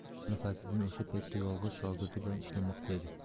mulla fazliddin o'sha paytda yolg'iz shogirdi bilan ishlamoqda edi